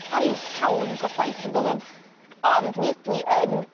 O'n i'n llawn gobaith on'd oddwn? ond mi ydw i yn